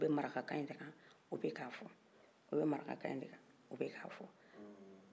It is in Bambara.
u bɛ maraka kan in de kan ka fɔ